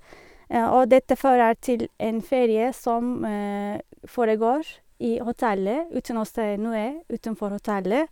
Og dette fører til en ferie som foregår i hotellet, uten å se noe utenfor hotellet.